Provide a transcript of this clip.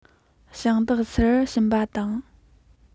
ཞིང བདག སར ཕྱིན པ དང